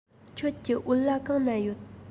ཁྱོད ཀྱི བོད ལྭ གང ན ཡོད